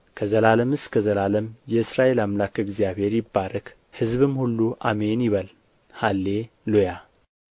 ከዘላለም እስከ ዘላለም የእስራኤል አምላክ እግዚአብሔር ይባረክ ሕዝብም ሁሉ አሜን ይበል ሃሌ ሉያ